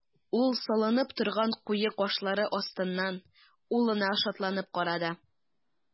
Ул салынып торган куе кашлары астыннан улына шатланып карады.